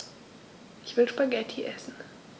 Ich will Spaghetti essen.